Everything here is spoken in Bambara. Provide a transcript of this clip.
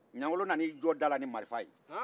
ɲangolo nana i jɔ da la ni marifa ye